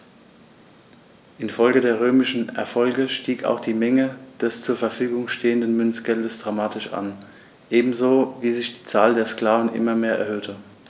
Infolge der römischen Erfolge stieg auch die Menge des zur Verfügung stehenden Münzgeldes dramatisch an, ebenso wie sich die Anzahl der Sklaven immer mehr erhöhte.